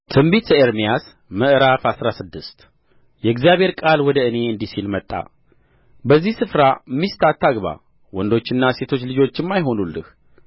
ትንቢተ ኤርምያስ ምዕራፍ አስራ ስድስት የእግዚአብሔር ቃል ወደ እኔ እንዲህ ሲል መጣ በዚህ ስፍራ ሚስት አታግባ ወንዶችና ሴቶች ልጆችም አይሁኑልህ